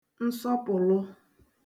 nsọpụ̀lụ̀